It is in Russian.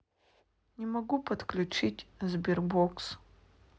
не могу подключить sberbox